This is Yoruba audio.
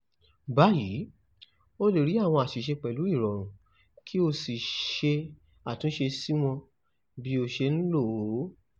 Báyìí, ó lè rí àwọn àṣìṣe pẹ̀lú ìrọ̀rùn kí o sì ṣe àtúnṣe sí wọ́n bí o ṣe ń lò ó.